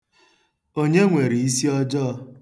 Onye nwere isiọjọọ?